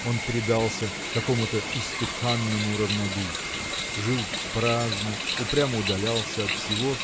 Он предался какому-то истуканному равнодушию жил праздно упрямо удалялся от всего